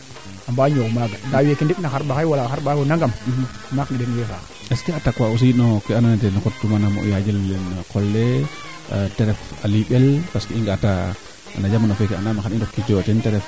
nda a refa nga machine parfois o xaq kene éliminer o ndaxaro ngaana keene machine ke a jega mayu kee ando naye a changer a a ñofa koy ndaa yit a mbissina a jega galang koor faa ando naye a mbisiidaanoyo machine ke moom a njaga keede mbisiid na